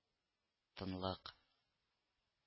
Тынлык